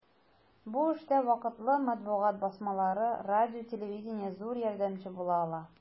Бу эштә вакытлы матбугат басмалары, радио-телевидение зур ярдәмче була ала.